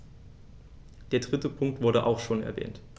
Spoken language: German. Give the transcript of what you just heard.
Der dritte Punkt wurde auch schon erwähnt.